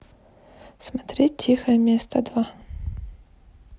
смотреть тихое место два